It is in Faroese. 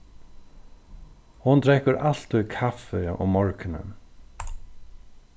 hon drekkur altíð kaffi um morgunin